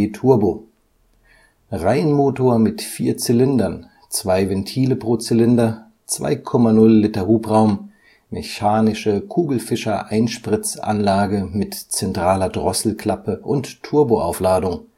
turbo: Reihenmotor mit vier Zylindern, zwei Ventile pro Zylinder, 2,0 Liter Hubraum, mechanische Kugelfischer-Einspritzanlage mit zentraler Drosselklappe und Turboaufladung